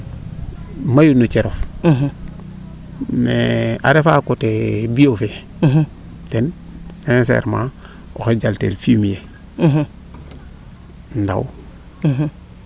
mayu no cerof mais refa coté bio fee ten sincerement oxey jal tel fumier ndaw